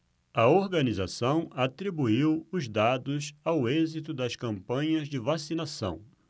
a organização atribuiu os dados ao êxito das campanhas de vacinação